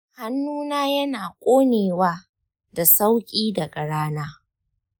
hannuna yana ƙonewa da sauƙi daga rana.